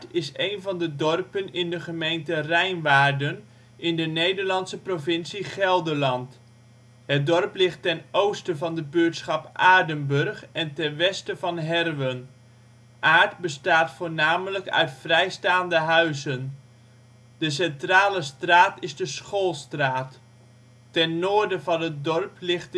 is een van de dorpen in de gemeente Rijnwaarden, in de Nederlandse provincie Gelderland. Het dorp ligt ten oosten van de buurtschap Aerdenburg en ten westen van Herwen. Aerdt bestaat voornamelijk uit vrijstaande huizen. De centrale straat is de Schoolstraat. Ten noorden van het dorp ligt